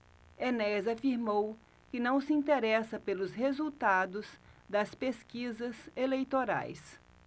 enéas afirmou que não se interessa pelos resultados das pesquisas eleitorais